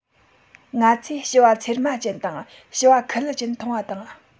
ང ཚོས བྱི བ ཚེར མ ཅན དང བྱི བ ཁུ ལུ ཅན མཐོང བ དང